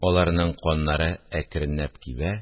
Аларның каннары әкренләп кибә